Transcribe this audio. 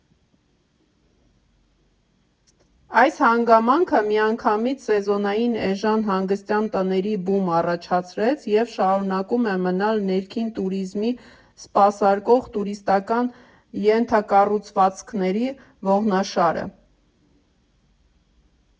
Այս հանգամանքը միանգամից սեզոնային էժան հանգստյան տների բում առաջացրեց և շարունակում է մնալ ներքին տուրիզմին սպասարկող տուրիստական ենթակառուցվածքների ողնաշարը։